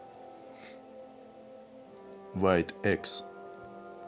white axe